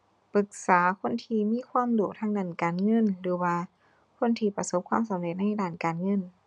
ปรึกษาคนที่มีความรู้ทางด้านการเงินหรือว่าคนที่ประสบความสำเร็จในด้านการเงิน